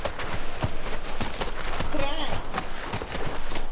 срань